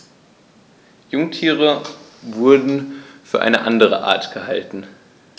Jungtiere wurden für eine andere Art gehalten.